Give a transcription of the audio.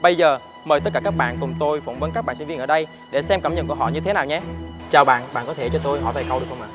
bây giờ mời tất cả các bạn cùng tôi phỏng vấn các bạn sinh viên ở đây để xem cảm nhận của họ như thế nào nhé chào bạn bạn có thể cho tôi hỏi về câu được không ạ